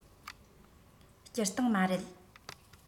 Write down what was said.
སྤྱིར བཏང མ རེད